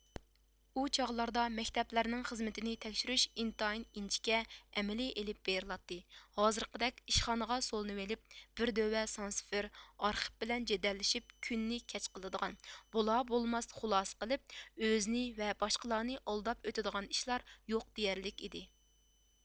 ئۇ چاغلاردا مەكتەپلەرنىڭ خىزمىتىنى تەكشۈرۈش ئىنتايىن ئىنچىكە ئەمەلىي ئېلىپ بېرىلاتتى ھازىرقىدەك ئىشخانىغا سولىنىۋىلىپ بىر دۆۋە سان سىفىر ئارخىپ بىلەن جېدەللىشىپ كۈننى كەچ قىلىدىغان بولا بولماس خۇلاسە قىلىپ ئۆزىنى ۋە باشقىلارنى ئالداپ ئۆتىدىغان ئىشلار يوق دېيەرلىك ئىدى